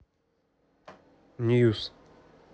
news